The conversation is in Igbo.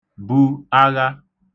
bu agha